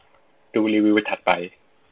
ดูรีวิวถัดไป